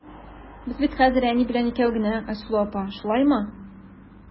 Без бит хәзер әни белән икәү генә, Айсылу апа, шулаймы?